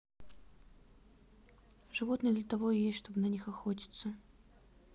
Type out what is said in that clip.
животные для того и есть чтобы на них охотиться